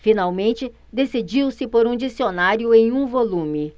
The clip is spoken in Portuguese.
finalmente decidiu-se por um dicionário em um volume